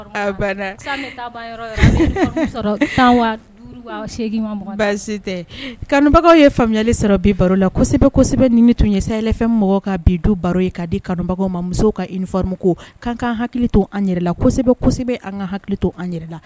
Kanubagaw ye faamuyali sɔrɔ bi barosɛbɛ ni tun ye safɛn mɔgɔ ka bi du baro ye ka di kanubagaw ma muso ka ifamu ko' an hakili to an yɛrɛ la kosɛbɛsɛbɛ an ka hakili to an yɛrɛ la